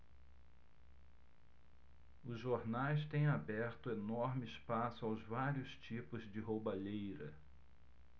os jornais têm aberto enorme espaço aos vários tipos de roubalheira